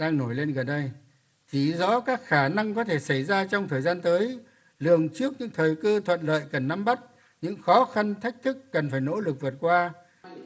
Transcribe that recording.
đang nổi lên gần đây chỉ rõ các khả năng có thể xảy ra trong thời gian tới lường trước những thời cơ thuận lợi cần nắm bắt những khó khăn thách thức cần phải nỗ lực vượt qua